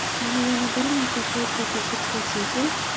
qani yana bir marta qo'l tegizib ko'rsin chi